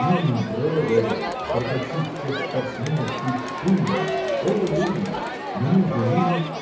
Нимврод, этот прототип всех спортсменов, и Гумбольдт — оба люди. но между ними.